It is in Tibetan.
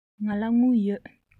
ང ལ དངུལ ཡོད